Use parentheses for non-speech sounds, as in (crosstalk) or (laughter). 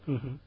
(hesitation) (hesitation)